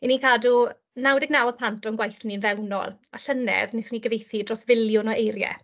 'Yn ni'n cadw naw deg naw y cant o'n gwaith ni'n fewnol, a llynedd wnaethon ni gyfeithu dros filiwn o eiriau.